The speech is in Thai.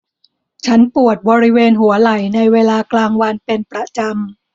ฉันปวดบริเวณหัวไหล่ในเวลากลางวันเป็นประจำ